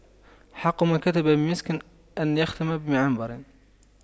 حق من كتب بمسك أن يختم بعنبر